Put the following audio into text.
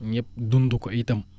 ñëpp dund ko i tam